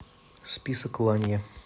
список ланья